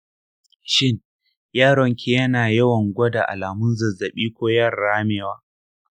shin yaronki yana yawan gwada alamun zazzabi or yawan ramewa?